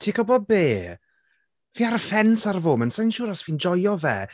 Ti'n gwybod be? Fi ar y ffens ar y foment. Sa i'n siŵr os fi'n joio fe.